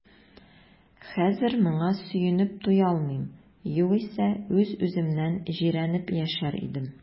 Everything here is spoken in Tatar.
Хәзер моңа сөенеп туя алмыйм, югыйсә үз-үземнән җирәнеп яшәр идем.